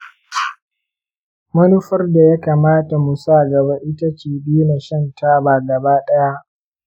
manufar da ya kamata mu sa gaba ita ce daina shan taba gaba ɗaya.